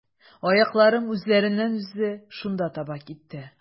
Аякларым үзләреннән-үзләре шунда таба китте.